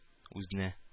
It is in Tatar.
Үзенә